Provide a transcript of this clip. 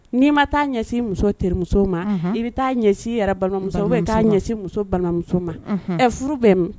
N'i ma ta'a ɲɛsin i muso terimuso ma, unhun, i bɛ ta'a ɲɛsin i yɛrɛ balimamuso ma ou bien i bɛ ta'a ɲɛsin muso balimamuso ma, unhun, ɛ furu bɛ min